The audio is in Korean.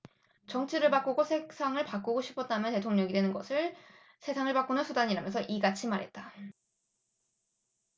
정치를 바꾸고 세상을 바꾸고 싶었다며 대통령이 되는 것은 세상을 바꾸는 수단이라면서 이같이 말했다